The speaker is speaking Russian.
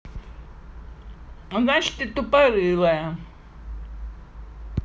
значит ты тупорылая